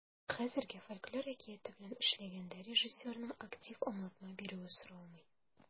Ә хәзергә фольклор әкияте белән эшләгәндә режиссерның актив аңлатма бирүе соралмый.